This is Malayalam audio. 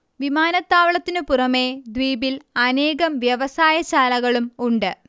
വിമാനത്താവളത്തിനു പുറമേ ദ്വീപിൽ അനേകം വ്യവസായ ശാലകളും ഉണ്ട്